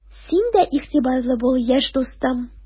Син дә игътибарлы бул, яшь дустым!